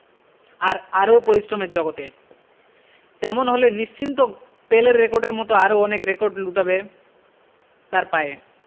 আর আরও পরিশ্রমের জগতে তেমন হলে নিশ্চিন্ত পেলের রেকর্ডের মতো আরও অনেক রেকর্ড লুটাবে তাঁর পায়ে